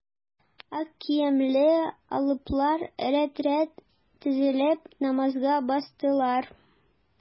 Ак киемле алыплар рәт-рәт тезелеп, намазга бастылар.